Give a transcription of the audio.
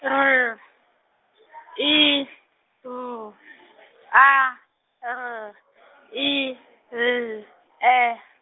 R I V A L I L E.